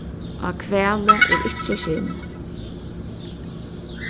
á hvali er ikki skinn